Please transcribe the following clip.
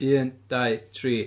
un dau tri